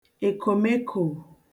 èkòmekò